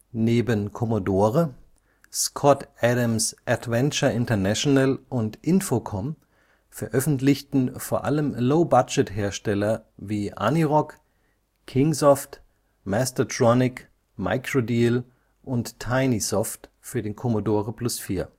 Neben Commodore, Scott Adams ' Adventure International und Infocom veröffentlichten vor allem Low-Budget-Hersteller wie Anirog, Kingsoft (Anco), Mastertronic, Microdeal und Tynesoft für den Commodore Plus/4